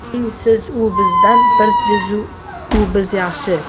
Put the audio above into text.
ming siz u bizdan bir jiz u biz yaxshi